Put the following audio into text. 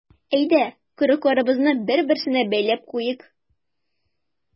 Әйдә, койрыкларыбызны бер-берсенә бәйләп куйыйк.